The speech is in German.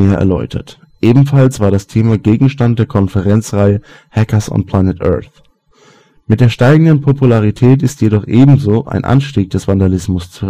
erläutert. Ebenfalls war das Thema Gegenstand der Konferenzreihe Hackers on Planet Earth. Mit der steigenden Popularität ist jedoch ebenso ein Anstieg des Vandalismus